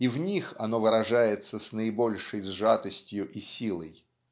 и в них оно выражается с наибольшей сжатостью и силой.